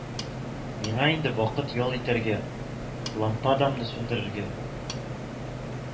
Миңа инде вакыт ял итәргә, Лампадамны сүндерергә